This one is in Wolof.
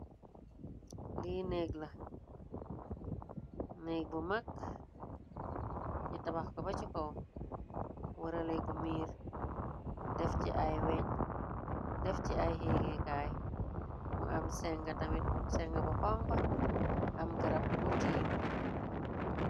Li nek la nék bu mak ñi tabax ko ba ci kaw wara leko miir weñ def ci ay héegékaay mu am seng tamit seng bu xonxu am garab bu ko tiim.